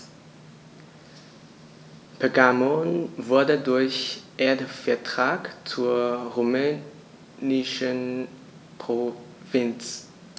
Pergamon wurde durch Erbvertrag zur römischen Provinz.